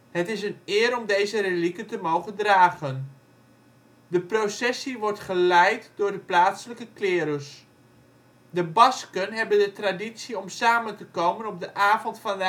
het is een eer om deze relieken te mogen dragen). De processie wordt geleid door de plaatselijke clerus. De relieken van Agatha tijdens de processie in Catania De Basken hebben de traditie om samen te komen op de avond van